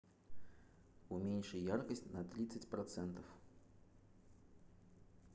уменьши яркость на тридцать процентов